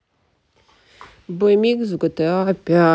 бмикс в гта пять